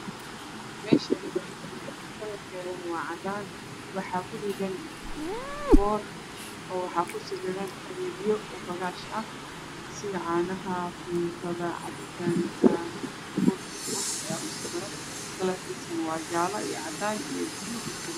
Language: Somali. Meshan waa jiin gad kalarkeedu waa cadaan waxaa ku dhagan boor waxaa ku sawiran adeegyo oo odgaasha ah sida canaha fintaatada capitaanaka bur waxaas ayaa ku sawiran kaarkisana wa jalo iyo cadan iyo paluug kakoopanyay